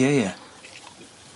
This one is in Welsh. Ie ie.